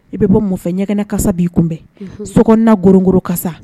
I bɛ bɔ munfɛ ɲɛgɛnkasa b'i kunbɛn so na gogolokasa